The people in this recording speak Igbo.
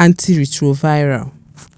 antiretroviral.